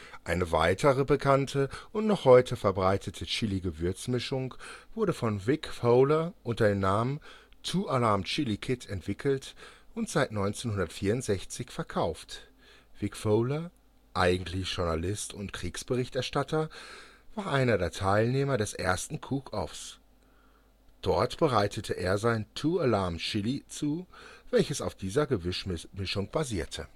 Eine weitere bekannte und noch heute verbreitete Chili-Gewürzmischung wurde von Wick Fowler unter dem Namen Two Alarm Chili Kit entwickelt und seit 1964 verkauft. Wick Fowler, eigentlich Journalist und Kriegsberichterstatter, war einer der Teilnehmer des ersten Cook Offs. Dort bereitete er sein Two Alarm Chili zu, welches auf dieser Gewürzmischung basierte